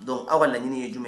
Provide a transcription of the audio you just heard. Dɔn aw bɛ naɲini ye jumɛn ye